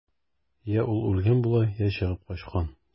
Йә ул үлгән була, йә чыгып качкан.